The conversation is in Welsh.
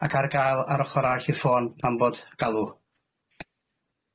ac ar ga'l ar ochor arall i'r ffôn pan fod galw.